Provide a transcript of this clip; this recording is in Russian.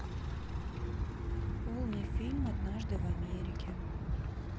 полный фильм однажды в америке